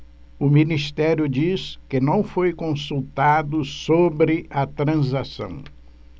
o ministério diz que não foi consultado sobre a transação